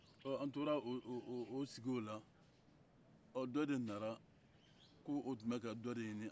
ɔ an tora o sigi o la ɔ dɔ de nana ko o tun bɛ ka dɔ de ɲinin